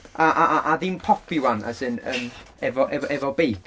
A- a- a- a ddim pobi 'wan? As in yym efo, ef- efo beic?